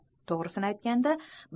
to'g'risini aytganda